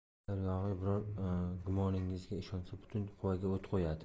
agar yog'iy biror gumoningizga ishonsa butun quvaga o't qo'yadi